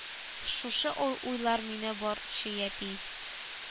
Шушы уйлар мине бор чый әти